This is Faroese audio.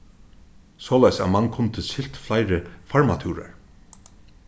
soleiðis at mann kundi siglt fleiri farmatúrar